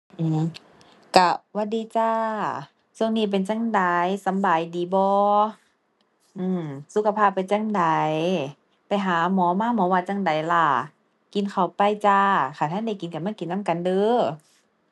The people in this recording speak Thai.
ก็ หวัดดีจ้า ก็นี้เป็นจั่งใด สำบายดีบ่ อือ สุขภาพเป็นจั่งใด ไปหาหมอมาหมอว่าจั่งใดล่ะ กินข้าวไปจ้า คันถ้าได้กินก็มากินนำกันเด้อ